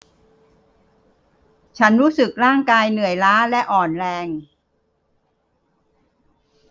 ฉันรู้สึกร่างกายเหนื่อยล้าและอ่อนแรง